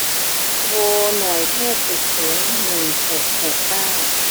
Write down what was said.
โทรหน่วยแพทย์ฉุกเฉินหนึ่งหกหกเก้า